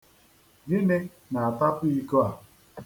Gịnị na-atapu iko a?